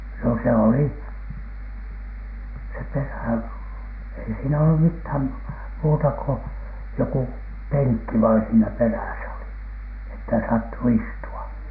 no se oli se perä ei siinä ollut mitään muuta kuin joku penkki vain siinä perässä oli että saattoi istua